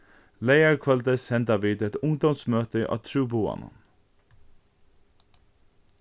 leygarkvøldið senda vit eitt ungdómsmøti á trúboðanum